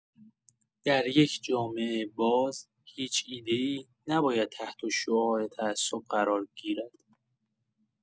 در یک جامعه باز، هیچ ایده‌ای نباید تحت‌الشعاع تعصب قرار گیرد.